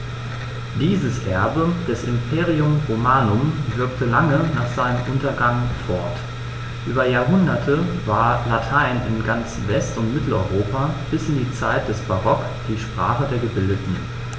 Dieses Erbe des Imperium Romanum wirkte lange nach seinem Untergang fort: Über Jahrhunderte war Latein in ganz West- und Mitteleuropa bis in die Zeit des Barock die Sprache der Gebildeten.